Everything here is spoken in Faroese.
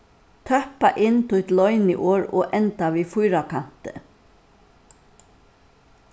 tøppa inn títt loyniorð og enda við fýrakanti